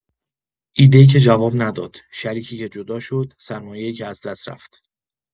ایده‌ای که جواب نداد، شریکی که جدا شد، سرمایه‌ای که از دست رفت؛